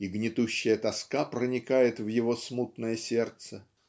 и гнетущая тоска проникает в его смутное сердце.